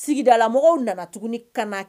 Sigidala mɔgɔw nana tuguni ni kana kɛ